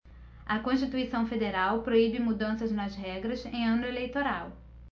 a constituição federal proíbe mudanças nas regras em ano eleitoral